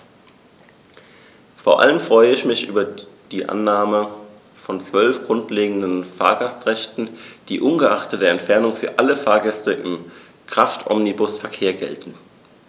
Vor allem freue ich mich über die Annahme von 12 grundlegenden Fahrgastrechten, die ungeachtet der Entfernung für alle Fahrgäste im Kraftomnibusverkehr gelten.